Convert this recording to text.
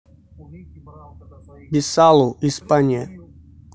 бесалу испания